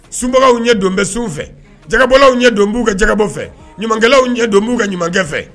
Sunbagaw ɲɛ donbɛ sw fɛ jabɔlaww ɲɛ don b'u ka jabɔ fɛ ɲamakalaw ɲɛ don b'u ka ɲumankɛ fɛ